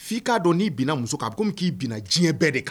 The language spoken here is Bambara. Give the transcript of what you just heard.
F'i k'a dɔn'i binna muso k kan a ko min k'i bin diɲɛ bɛɛ de kan